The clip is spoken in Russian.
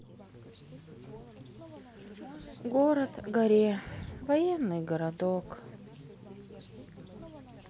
город горе военный городок